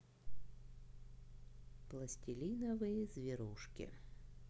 пластилиновые зверушки